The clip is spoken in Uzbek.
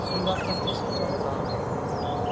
husndor qiz hech qachon qilolmaydi